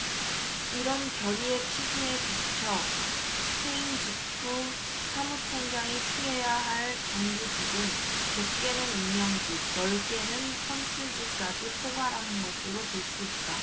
이런 결의의 취지에 비춰 퇴임 직후 사무총장이 피해야 할 정부직은 좁게는 임명직 넓게는 선출직까지 포괄하는 것으로 볼 수 있다